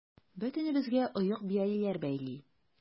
Бөтенебезгә оек-биялиләр бәйли.